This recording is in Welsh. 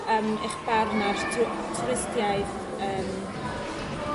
yym eich barn ar twri- twristiaeth yym